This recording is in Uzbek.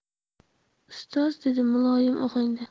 ustoz dedi muloyim ohangda